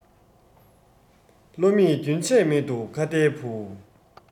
བློ མེད རྒྱུན ཆད མེད དོ ཁྭ ཏའི བུ